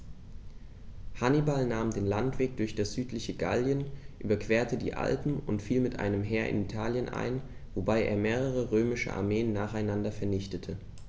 Hannibal nahm den Landweg durch das südliche Gallien, überquerte die Alpen und fiel mit einem Heer in Italien ein, wobei er mehrere römische Armeen nacheinander vernichtete.